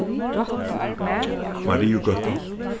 mariugøta